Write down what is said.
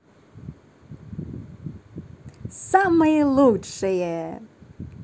самое лучшее